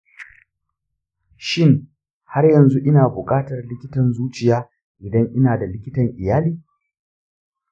shin, har yanzu ina buƙatar likitan zuciya idan ina da likitan iyali?